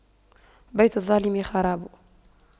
بيت الظالم خراب